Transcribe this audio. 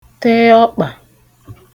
te ọkpà